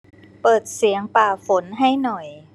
เปิดเสียงป่าฝนให้หน่อย